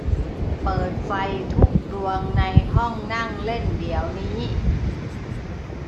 เปิดไฟทุกดวงในห้องนั่งเล่นเดี๋ยวนี้